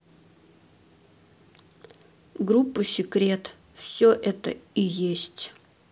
группа секрет все это и есть